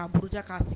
Ka buruja, k'a sigi